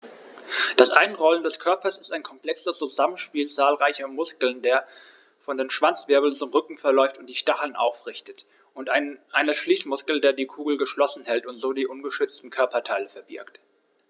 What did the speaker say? Das Einrollen des Körpers ist ein komplexes Zusammenspiel zahlreicher Muskeln, der von den Schwanzwirbeln zum Rücken verläuft und die Stacheln aufrichtet, und eines Schließmuskels, der die Kugel geschlossen hält und so die ungeschützten Körperteile verbirgt.